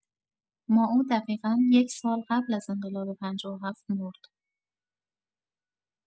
مائو دقیقا یک سال قبل از انقلاب ۵۷ مرد